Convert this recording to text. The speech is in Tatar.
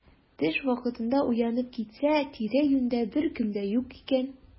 Төш вакытында уянып китсә, тирә-юньдә беркем дә юк икән.